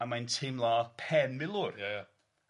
A mae'n teimlo pen milwr... Ia ia.